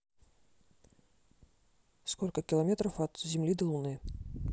сколько километров от земли до луны